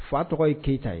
Fa tɔgɔ ye keyita ye.